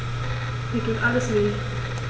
Mir tut alles weh.